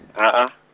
a a.